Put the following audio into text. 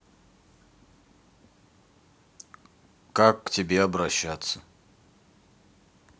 как к тебе обращаться